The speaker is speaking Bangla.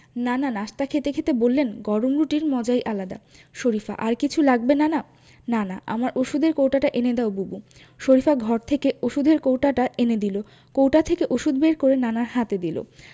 নানা নাশতা খেতে খেতে বললেন গরম রুটির মজাই আলাদা শরিফা আর কিছু লাগবে নানা নানা আমার ঔষধের কৌটাটা এনে দাও বুবু শরিফা ঘর থেকে ঔষধের কৌটাটা এনে দিল কৌটা থেকে ঔষধ বের করে নানার হাতে দিল